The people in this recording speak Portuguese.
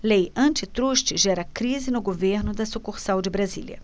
lei antitruste gera crise no governo da sucursal de brasília